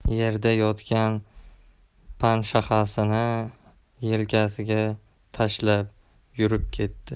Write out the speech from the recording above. yerda yotgan panshaxasini yelkasiga tashlab yurib ketdi